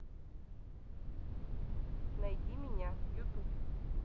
найди меня ютуб